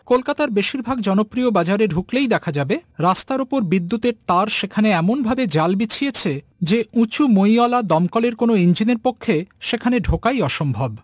কলকাতার বেশিরভাগ জনপ্রিয় বাজারে ঢুকলেই দেখা যাযবে রাস্তার উপর বিদ্যুতের তার সেখানে এমন ভাবে জাল বিছিয়েছে যে উচু মই ওয়ালা দমকলের কোনো ইঞ্জিন এর পক্ষে সেখানে ঢোকাই অসম্ভব